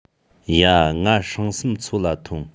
ཡ ངའ སྲང གསུམ ཚོད ལ ཐོངས